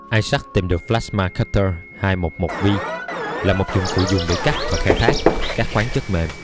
isaac tìm được plasma cutters v là một dụng cụ dùng để cắt và khai thác các khoáng chất mềm